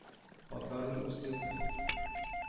Атларын үсеп